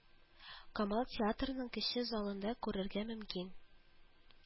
Камал театрының Кече залында күрергә мөмкин